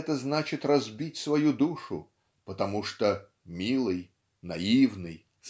это значит разбить свою душу потому что "милый наивный